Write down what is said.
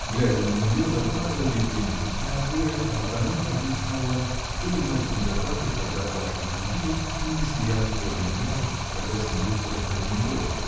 Глядя на нее, заплакал и Викентьев, не от горя, а потому, объяснял он, что не может не заплакать, когда плачут другие, и не смеяться тоже не может, когда смеются около него.